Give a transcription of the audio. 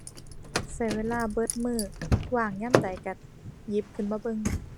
ใช้เวลาเบิดมื้อ ว่างยามใดใช้หยิบขึ้นมาเบิ่ง